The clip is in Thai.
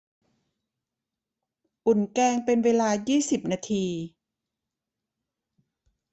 อุ่นแกงเป็นเวลายี่สิบนาที